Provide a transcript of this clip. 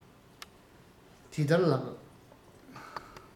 དེ ལྟར ལགས